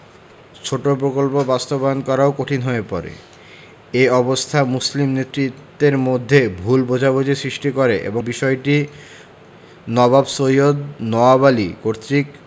ছোট প্রকল্প বাস্তবায়নও কঠিন হয়ে পড়ে এ অবস্থা মুসলিম নেতৃত্বের মধ্যে ভুল বোঝাবুঝির সৃষ্টি করে এবং বিষয়টি নবাব সৈয়দ নওয়াব আলী কর্তৃক